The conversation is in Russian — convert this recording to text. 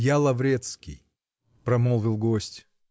-- Я Лаврецкий, -- промолвил гость.